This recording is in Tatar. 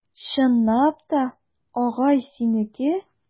Чынлап та, агай, синеке?